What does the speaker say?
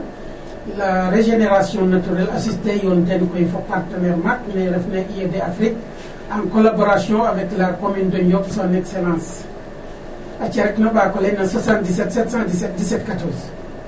La régénération naturelle assistée yoon ten koy fo partenaire maak ne refna IED Afrique en collaboration avec la commune de Ndiob son excellence aca rek no ɓaak ole no 77717171.